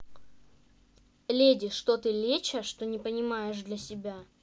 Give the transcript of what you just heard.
леди что ты лечо что понимаешь для себя